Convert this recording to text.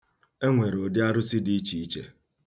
E nwere ụdị arụsị dị iche iche.